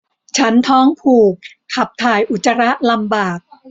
ฉันท้องผูกขับถ่ายอุจจาระลำบาก